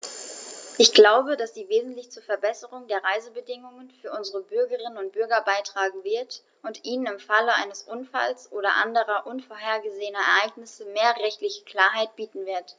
Ich glaube, dass sie wesentlich zur Verbesserung der Reisebedingungen für unsere Bürgerinnen und Bürger beitragen wird, und ihnen im Falle eines Unfalls oder anderer unvorhergesehener Ereignisse mehr rechtliche Klarheit bieten wird.